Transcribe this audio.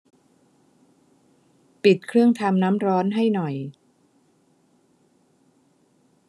ปิดเครื่องทำน้ำร้อนให้หน่อย